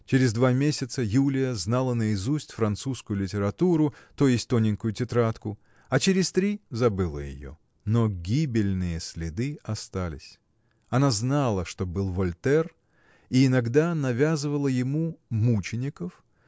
Через два месяца Юлия знала наизусть французскую литературу то есть тоненькую тетрадку а через три забыла ее но гибельные следы остались. Она знала что был Вольтер и иногда навязывала ему Мучеников